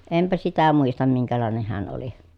enpä sitä muista minkälainen hän oli